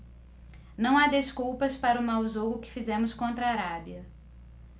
não há desculpas para o mau jogo que fizemos contra a arábia